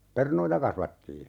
perunoita kasvatettiin